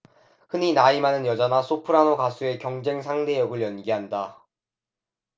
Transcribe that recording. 흔히 나이 많은 여자나 소프라노 가수의 경쟁 상대 역을 연기한다